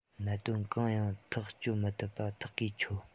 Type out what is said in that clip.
གནད དོན གང ཡང ཐག གཅོད མི ཐུབ པ ཐག གིས ཆོད